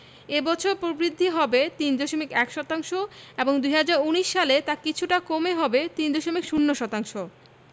এ বছর প্রবৃদ্ধি হবে ৩.১ শতাংশ এবং ২০১৯ সালে তা কিছুটা কমে হবে ৩.০ শতাংশ